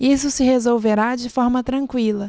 isso se resolverá de forma tranqüila